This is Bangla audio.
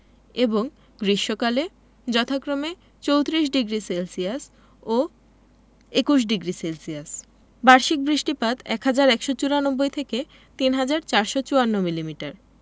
এবং গ্রীষ্মকালে যথাক্রমে ৩৪ডিগ্রি সেলসিয়াস ও ২১ডিগ্রি সেলসিয়াস বার্ষিক বৃষ্টিপাত ১হাজার ১৯৪ থেকে ৩হাজার ৪৫৪ মিলিমিটার